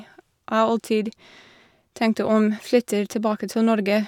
Jeg alltid tenkte om flytter tilbake til Norge.